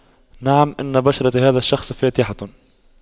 نعم ان بشرة هذا الشخص فاتحة